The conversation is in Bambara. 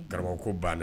Karamɔgɔ ko banna